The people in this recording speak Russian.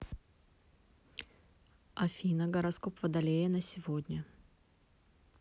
афина гороскоп водолея на сегодня